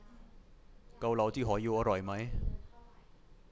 เกาเหลาที่หอยูอร่อยไหม